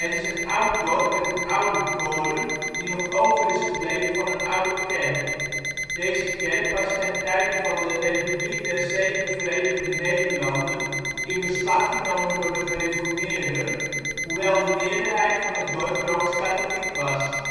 is een oud dorp met een oude toren, die nog over is gebleven van een oude kerk. Deze kerk was ten tijde van de Republiek der Zeven Verenigde Nederlanden in beslag genomen door de gereformeerden, hoewel de meerderheid van het dorp rooms-katholiek was